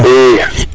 i